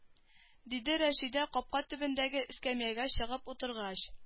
Диде рәшидә капка төбендәге эскәмиягә чыгып утыргач